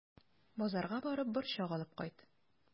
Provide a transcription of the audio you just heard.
Базарга барып, борчак алып кайт.